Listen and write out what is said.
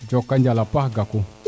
diokondiala paax gakou